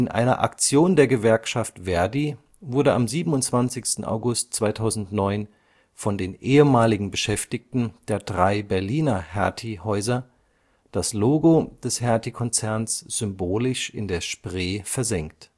einer Aktion der Gewerkschaft ver.di wurde am 27. August 2009 von den ehemaligen Beschäftigten der drei Berliner Hertie-Häuser das Logo des Hertie-Konzerns symbolisch in der Spree versenkt